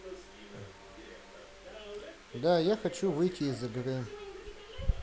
да я хочу выйти из игры